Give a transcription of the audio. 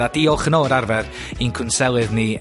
...a diolch yn ôl yr arfer i'n cwnselydd ni...